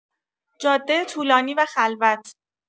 جاده طولانی و خلوت